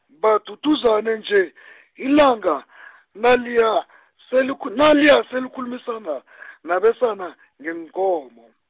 baduduzana nje , ilanga , naliya , selikhu-, naliya selikhulumisana , nabesana ngeenkomo.